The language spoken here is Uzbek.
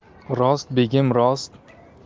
rost begim rost